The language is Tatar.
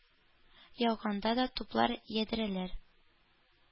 Яуганда да туплар, ядрәләр,